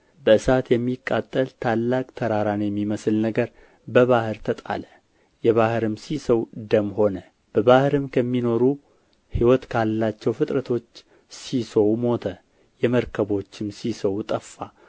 በእሳት የሚቃጠል ታላቅ ተራራን የሚመስል ነገር በባሕር ተጣለ የባሕርም ሲሶው ደም ሆነ በባሕርም ከሚኖሩ ሕይወት ካላቸው ፍጥረቶች ሲሶው ሞተ የመርከቦችም ሲሶው ጠፋ